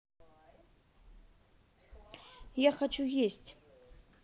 я хочу есть